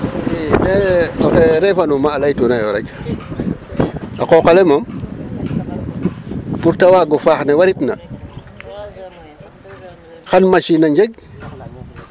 II mee oxe reefanuma a laytuna yo rek a qooq ale moom pour ta waago faax ne waritna xan machine a njeg ax a njeg .